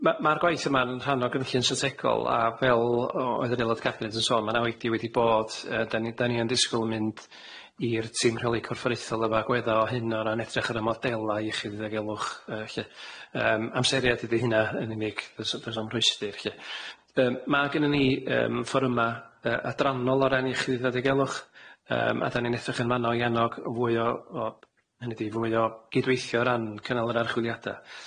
Ma' ma'r gwaith yma'n rhan o gynllun syntegol a fel oedd aealod cabined yn sôn ma' na oedi wedi wedi bod yy dan ni dan ni yn disgwl mynd i'r tîm rheoli corfforaethol yma gwedd o o hyn o ran etrych ar y modela iechyd a diogelwch yy lly yym amseriad ydi hynna yn unig fys- fys- am rhwystr lle yym. Ma' gynnon ni yym fforyma yy adrannol o ran iechyd ddiogelwch yym a dan ni'n edrych yn mannol i annog fwy o o hynny ydi fwy o gydweithio o ran cynnal yr archwiliada.